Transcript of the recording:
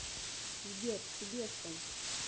сбер ты беспонт